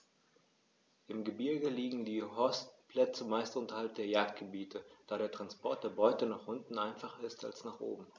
Im Gebirge liegen die Horstplätze meist unterhalb der Jagdgebiete, da der Transport der Beute nach unten einfacher ist als nach oben.